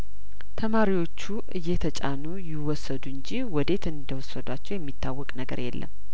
ተማሪዎቹ እየተጫኑ ይወሰዱ እንጂ ወዴት እንደወሰዷቸው የሚታወቅ ነገር የለም